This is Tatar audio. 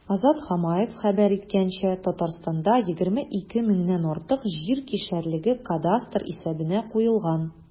Азат Хамаев хәбәр иткәнчә, Татарстанда 22 меңнән артык җир кишәрлеге кадастр исәбенә куелган.